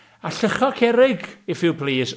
A lluchio Cerrig if you please!